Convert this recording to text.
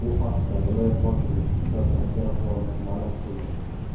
bu haqda viloyat hokimi shuhrat abdurahmonov ma'lum